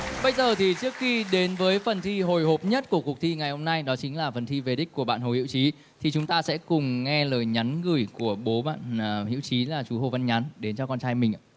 bây giờ thì trước khi đến với phần thi hồi hộp nhất của cuộc thi ngày hôm nay đó chính là phần thi về đích của bạn hồ hữu trí thì chúng ta sẽ cùng nghe lời nhắn gửi của bố bạn ờ hữu chí là chú hồ văn nhắn đến cho con trai mình